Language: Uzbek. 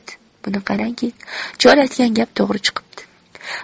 buni qarangki chol aytgan gap to'g'ri chiqibdi